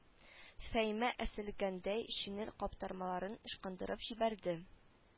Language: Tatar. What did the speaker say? Фәимә эсселәгәндәй шинель каптырмаларын ычкындырып җибәрде